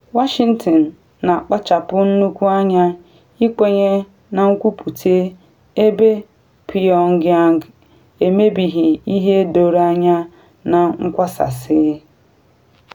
Washington na akpachapụ nnukwu anya ịkwenye na nkwupute ebe Pyongyang emebeghị ihe doro anya na nkwasasị.